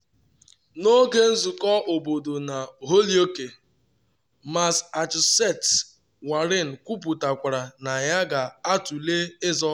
N’oge nzụkọ obodo na Holyoke, Massachusetts, Warren kwuputakwara na ya ga-atule ịzọ ọkwa.